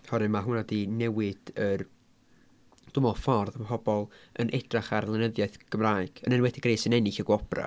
Oherwydd ma' hwnna 'di newid yr dwi'n meddwl y ffordd ma' pobl yn edrych ar lenyddiaeth Gymraeg yn enwedig rai sy'n ennill y gwobrau.